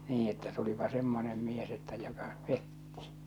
niin että tulipa semmoinen mies että joka petti